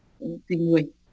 tùy người